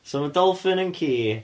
So mae dolffin yn ci.